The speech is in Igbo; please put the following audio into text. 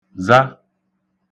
za